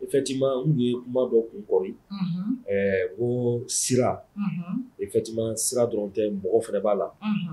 Effectivement u ye kuma dɔ kun kɔri, unhun, ko sira effectivement sira dɔrɔn tɛ mɔgɔ fana b'a la, unhun